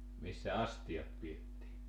missä astiat pidettiin